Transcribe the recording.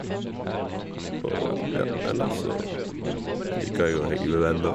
Og, ja, eller så liker jeg å henge med venner.